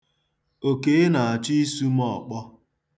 Okey na-achọ isu m ọkpọ.